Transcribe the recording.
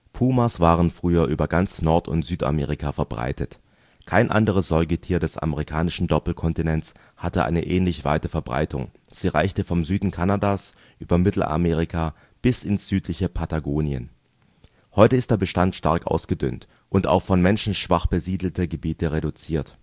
Pumas waren früher über ganz Nord - und Südamerika verbreitet. Kein anderes Säugetier des amerikanischen Doppelkontinents hatte eine ähnlich weite Verbreitung; sie reichte vom Süden Kanadas über Mittelamerika bis ins südliche Patagonien. Heute ist der Bestand stark ausgedünnt und auf von Menschen schwach besiedelte Gebiete reduziert